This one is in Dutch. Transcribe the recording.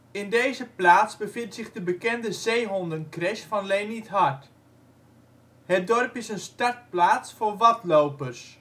In deze plaats bevindt zich de bekende zeehondencrèche van Lenie ' t Hart. Het dorp is een startplaats voor wadlopers